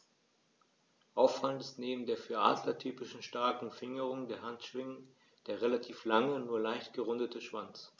Auffallend ist neben der für Adler typischen starken Fingerung der Handschwingen der relativ lange, nur leicht gerundete Schwanz.